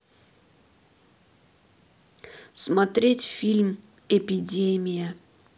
смотреть фильм эпидемия